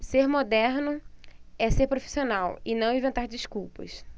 ser moderno é ser profissional e não inventar desculpas